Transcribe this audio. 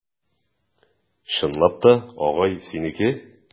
Чынлап та, агай, синеке?